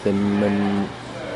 ddim yn